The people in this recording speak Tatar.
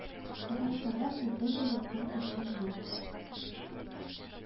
Татарстанда сездән дә якын кешем юк